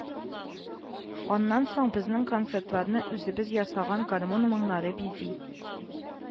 Аннан соң, безнең концертларны үзебез ясаган гармун моңнары бизи